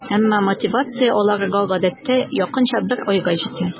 Әмма мотивация аларга гадәттә якынча бер айга җитә.